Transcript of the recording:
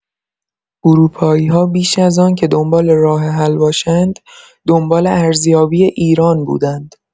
اروپایی‌ها بیش از آنکه دنبال راه‌حل باشند دنبال ارزیابی ایران بودند.